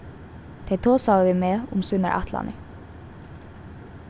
tey tosaðu við meg um sínar ætlanir